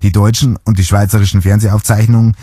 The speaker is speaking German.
deutschen und schweizerischen Fernsehaufzeichnungen